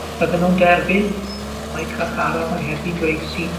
fydden nw'n derbyn mae carcharor mae'r heddlu'n dweud sy'n